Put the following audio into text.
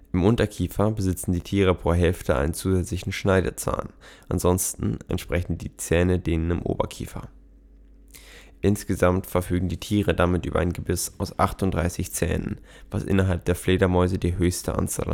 Im Unterkiefer besitzen die Tiere pro Hälfte einen zusätzlichen Schneidezahn, ansonsten entsprechen die Zähne denen im Oberkiefer. Insgesamt verfügen die Tiere damit über ein Gebiss aus 38 Zähnen, was innerhalb der Fledermäuse die höchste Anzahl